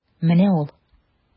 Менә ул.